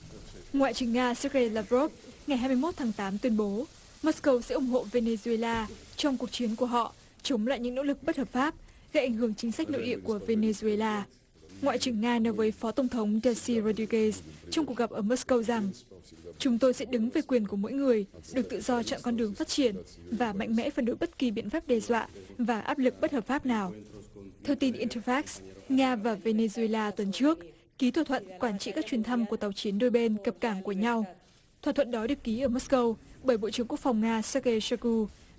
ngoại trưởng nga séc rei la rốp ngày hai mươi mốt tháng tám tuyên bố mót xơ câu sẽ ủng hộ vê ne duê la trong cuộc chiến của họ chống lại những nỗ lực bất hợp pháp gây ảnh hưởng chính sách nội địa của vê ne duê la ngoại trưởng nga nói với phó tổng thống đe si re đu gây trong cuộc gặp ở mót xơ câu rằng chúng tôi sẽ đứng về quyền của mỗi người được tự do chọn con đường phát triển và mạnh mẽ phản đối bất kỳ biện pháp đe dọa và áp lực bất hợp pháp nào thưa tin in tơ phác nga và vê ne duê la tuần trước ký thỏa thuận quản trị các chuyến thăm của tàu chiến đôi bên cập cảng của nhau thỏa thuận đó được ký ở mót xơ câu bởi bộ trưởng quốc phòng nga séc kây sa ku